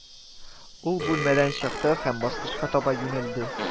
Ул бүлмәдән чыкты һәм баскычка таба юнәлде